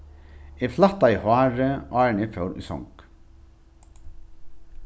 eg flættaði hárið áðrenn eg fór í song